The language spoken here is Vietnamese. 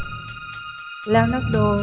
lê ô nát đô